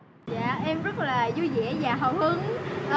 dạ em rất là vui vẻ và